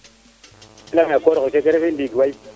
te leya kooroxe keke refe ndiig waay